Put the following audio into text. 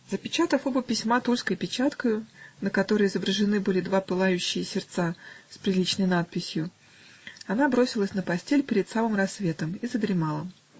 Запечатав оба письма тульской печаткою, на которой изображены были два пылающие сердца с приличной надписью, она бросилась на постель перед самым рассветом и задремала